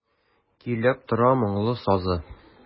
Көйләп тора моңлы сазы.